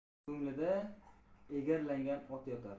er yigitning ko'nglida egarlangan ot yotar